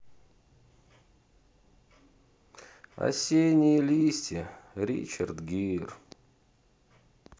осенние листья ричард гир